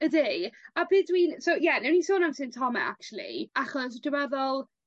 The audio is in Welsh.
Ydi, a be' dwi'n... So ie newn ni sôn am symptome actually achos dwi meddwl